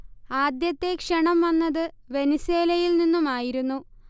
ആദ്യത്തെ ക്ഷണം വന്നത് വെനിസ്വേലയിൽ നിന്നുമായിരുന്നു